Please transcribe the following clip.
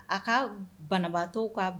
A kaw banabaatɔw ka